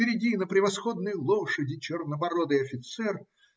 Впереди, на превосходной лошади, чернобородый офицер.